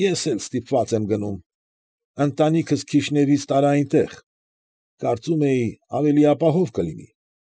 Ես էլ ստիպված եմ գնում։ Ընտանիքս Քիշնևից տարա այնտեղ. կարծում էի ավելի ապահով կլինի։